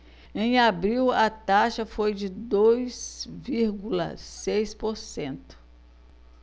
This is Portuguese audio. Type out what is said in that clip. em abril a taxa foi de dois vírgula seis por cento